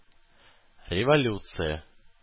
Революция